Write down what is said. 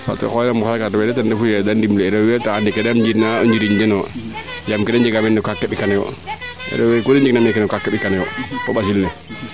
o xooxyo le um xooyka den ten refu yee de ndimle rew we taa ande keede njirña o njiriñ denoo yaam keede njegaa mene kaa kend kanoyo rewe kuu de njeng na mene kaa kend kanoyo fo ɓasil ne